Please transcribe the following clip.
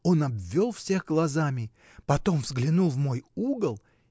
Он обвел всех глазами, потом взглянул в мой угол.